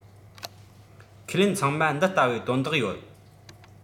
ཁས ལེན ཚང མ འདི ལྟ བུའི དོན དག ཡོད